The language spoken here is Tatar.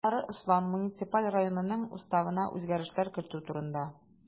Югары Ослан муниципаль районынның Уставына үзгәрешләр кертү турында